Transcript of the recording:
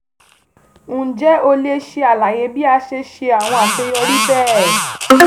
Ǹjẹ́ o lè ṣe àlàyé bí a ṣe ṣe àwọn àṣeyọrí bẹ́ẹ̀?